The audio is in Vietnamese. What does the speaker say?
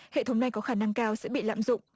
hệ thống này có khả năng cao sẽ bị lạm dụng